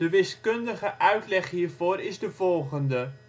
wiskundige uitleg hiervoor is de volgende